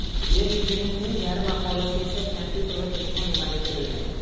yer yuzining teng yarim aholisi esa kompyuter va telefon nimaligini bilmaydi